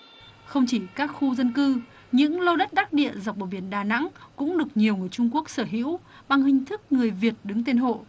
không chỉ các khu dân cư những lô đất đắc địa dọc bờ biển đà nẵng cũng được nhiều người trung quốc sở hữu bằng hình thức người việt đứng tên hộ